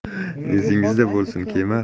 esingizda bo'lsin kema